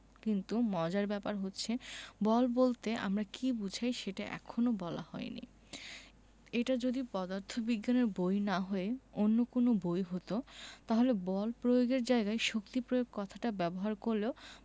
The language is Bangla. কিন্তু মজার ব্যাপার হচ্ছে বল বলতে আমরা কী বোঝাই সেটা এখনো বলা হয়নি এটা যদি পদার্থবিজ্ঞানের বই না হয়ে অন্য কোনো বই হতো তাহলে বল প্রয়োগ এর জায়গায় শক্তি প্রয়োগ কথাটা ব্যবহার করলেও